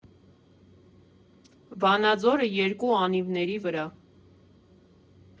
Վանաձորը՝ երկու անիվների վրա։